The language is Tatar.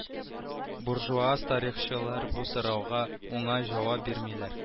Буржуаз тарихчылар бу сорауга уңай җавап бирмиләр